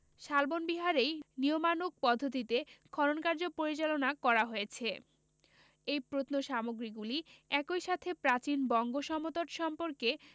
শালবন বিহারেই নিয়মানুগ পদ্ধতিতে খননকার্য পরিচালনা করা হয়েছে এই প্রত্নসামগ্রীগুলি একই সাথে প্রাচীন বঙ্গ সমতট সম্পর্কে